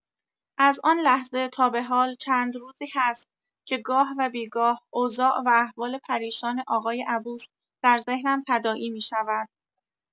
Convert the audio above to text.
از آن لحظه تا به حال چند روزی هست که گاه و بی‌گاه اوضاع و احوال پریشان آقای عبوس در ذهنم تداعی می‌شود.